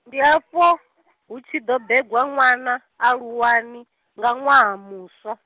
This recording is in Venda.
ndi afho, hu tshi ḓo bebwa ṅwana, Aluwani, nga ṅwaha muswa.